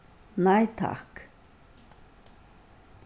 nei takk